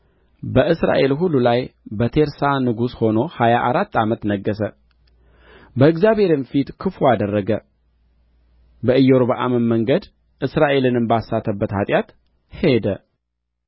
በእስራኤል ሁሉ ላይ በቴርሳ ንጉሥ ሆኖ ሀያ አራት ዓመት ነገሠ በእግዚአብሔርም ፊት ክፉ አደረገ በኢዮርብዓምም መንገድ እስራኤልንም ባሳተበት ኃጢአት ሄደ